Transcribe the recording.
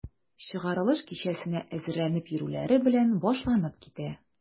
Чыгарылыш кичәсенә әзерләнеп йөрүләре белән башланып китә.